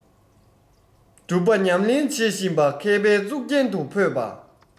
སྒྲུབ པ ཉམས ལེན བྱེད བཞིན པ མཁས པའི གཙུག རྒྱན དུ འཕོས པ